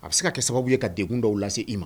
A bɛ se ka kɛ sababu ye ka dekun dɔw lase i ma